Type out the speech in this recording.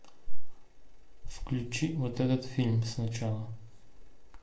включи вот этот фильм сначала